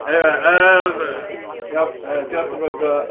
Eniwe yym iawn yy, diolch am wrando.